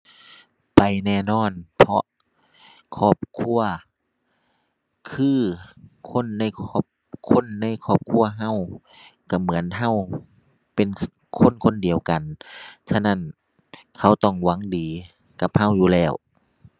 ไปแน่นอน เพราะครอบครัว คือ คนในครอบ คนในครอบครัวเราเราเหมือนเราเป็น คนคนเดียวกัน ฉะนั้น เขาต้องหวังดีกับเราอยู่แล้ว